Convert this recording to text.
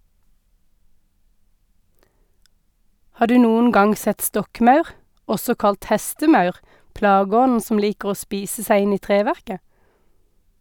Har du noen gang sett stokkmaur, også kalt hestemaur, plageånden som liker å spise seg inn i treverket?